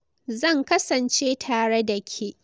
Zan kasance tare da ke.